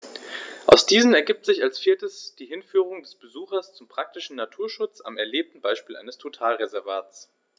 Aus diesen ergibt sich als viertes die Hinführung des Besuchers zum praktischen Naturschutz am erlebten Beispiel eines Totalreservats.